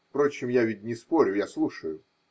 Впрочем, я ведь не спорю, я слушаю.